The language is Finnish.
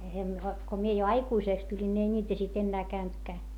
kun minä jo aikuiseksi tulin niin ei niitä sitten enää käynytkään